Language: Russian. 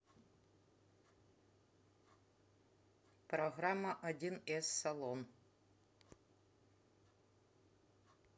программа один эс салон